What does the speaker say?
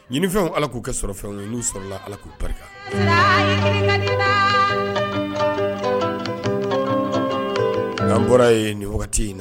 Ɲin fɛnw allah k'u kɛ sɔrɔ fɛnw ye, n'u sɔrɔla allah k'u barika n'an bɔra yen nin wati in na